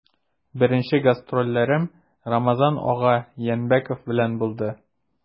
Беренче гастрольләрем Рамазан ага Янбәков белән булды.